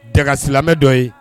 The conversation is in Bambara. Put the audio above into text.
Daga silamɛ dɔ ye